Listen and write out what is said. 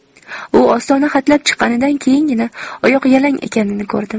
u ostona hatlab chiqqanidan keyingina oyoq yalang ekanini ko'rdim